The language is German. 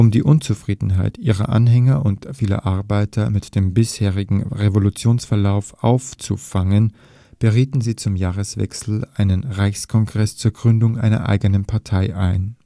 die Unzufriedenheit ihrer Anhänger und vieler Arbeiter mit dem bisherigen Revolutionsverlauf aufzufangen, beriefen sie zum Jahreswechsel einen Reichskongress zur Gründung einer eigenen Partei ein